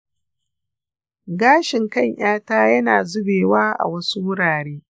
gashin kan 'yata yana zubewa a wasu wurare.